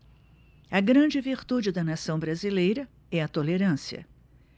a grande virtude da nação brasileira é a tolerância